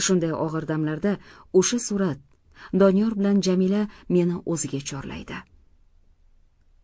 shunday og'ir damlarda ' o'sha surat doniyor bilan jamila meni o'ziga chorlaydi